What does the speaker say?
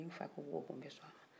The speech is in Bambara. ni n fa ko ko ko o ko n bɛ sɔn a ma